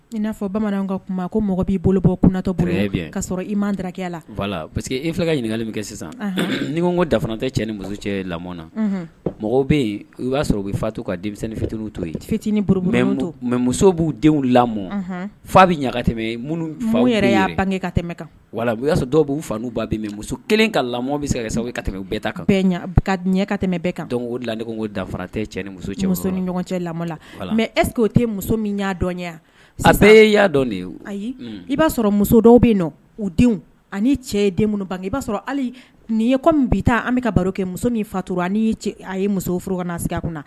I n'a fɔ bamanan ka kuma ko mɔgɔ b'i bolobɔ kunnanatɔoro'a sɔrɔ i ma darakaya parce quee fula ka ɲininkakali bɛ kɛ sisan nii ko ko dafafa tɛ cɛ ni muso cɛ lamɔ na mɔgɔ bɛ yen i b'a sɔrɔ u bɛ fatu ka denmisɛnninmi fittiri to fitinin buru mɛ muso b'u denw lamɔ fa bɛ ɲagaka tɛmɛ fa yɛrɛ y'a bange ka tɛmɛ kan wala y'a sɔrɔ dɔw b'u ba muso kelen ka lamɔ bɛɛrɛ sa ka tɛmɛ bɛɛ kan ka ɲɛka tɛmɛ bɛɛ ka dɔn la dafafa cɛ cɛ ni ɲɔgɔn cɛ lamɔ la mɛ eso tɛ muso min dɔnyaya fa ya dɔn de ye ayi i b'a sɔrɔ muso dɔw bɛ u denw ani cɛ den minnu bange i b'a sɔrɔ hali nin ye bɛ taa an bɛ ka baro kɛ muso min fatura a ye musof furu kasigi a kunna na